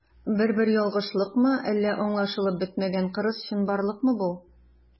Бер-бер ялгышлыкмы, әллә аңлашылып бетмәгән кырыс чынбарлыкмы бу?